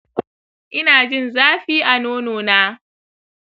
inajin zafi a nono na